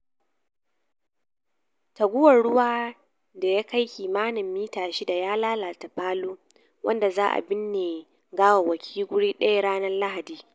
Taguwar ruwa da ya kai kimanin mita shida ya lalata Palu wanda za a binne gawawwakin wuri daya ranar Lahadi.